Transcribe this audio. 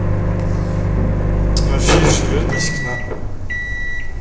афина вернись к нам